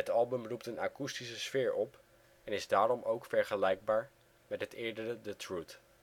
album roept een akoestische sfeer op en is daarom ook vergelijkbaar met het eerdere The Truth. Prince